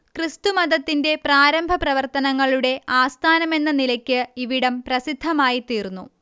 ക്രിസ്തുമതത്തിന്റെ പ്രാരംഭപ്രവർത്തനങ്ങളുടെ ആസ്ഥാനമെന്ന നിലയ്ക്ക് ഇവിടം പ്രസിദ്ധമായിത്തീർന്നു